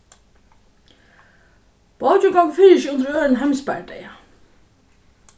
bókin gongur fyri seg undir øðrum heimsbardaga